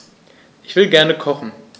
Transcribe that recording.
Ich will gerne kochen.